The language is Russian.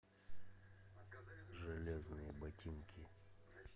железные ботинки